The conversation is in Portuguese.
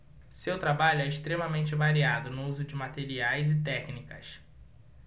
seu trabalho é extremamente variado no uso de materiais e técnicas